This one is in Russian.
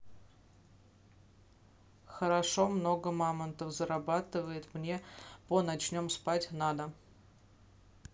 хорошо много мамонтов зарабатывает мне по начнем спать надо